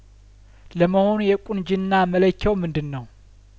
ለመሆኑ የቁንጅና መለኪያውምንድነው